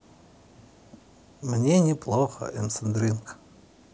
мне не плохо imsodrunk